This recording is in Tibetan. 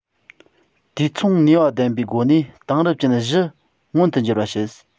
དུས མཚུངས ནུས པ ལྡན པའི སྒོ ནས དེང རབས ཅན བཞི མངོན དུ འགྱུར བ བྱེད